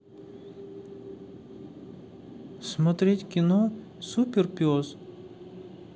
смотреть кино супер пес